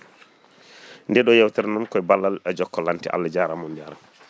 ndeɗo yewtere non koy ballal jokalante Allah jaarama on jaarama